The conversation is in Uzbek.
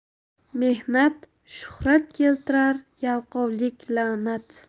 mehnat shuhrat keltirar yalqovlik la'nat